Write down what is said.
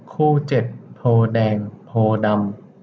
คู่เจ็ดโพธิ์แดงโพธิ์ดำ